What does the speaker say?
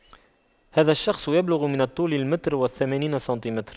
هذا الشخص يبلغ من الطول المتر والثمانين سنتيمتر